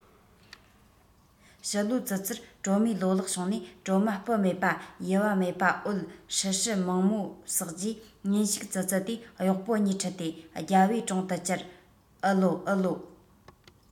ཕྱི ལོ ཙི ཙིར གྲོ མའི ལོ ལེགས བྱུང ནས གྲོ མ སྤུ མེད པ ཡུ བ མེད པ འོད ཧྲིལ ཧྲིལ མང མོ བསགས རྗེས ཉིན ཞིག ཙི ཙི དེས གཡོག པོ གཉིས ཁྲིད དེ རྒྱལ པོའི དྲུང དུ བཅར ཨུ ལའོ ཨུ ལའོ